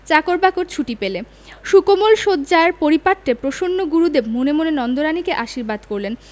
চাকর বাকর ছুটি পেলে সুকোমল শয্যার পারিপাট্যে প্রসন্ন গুরুদেব মনে মনে নন্দরানীকে আশীর্বাদ করলেন